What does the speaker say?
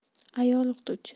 ayol o'qituvchi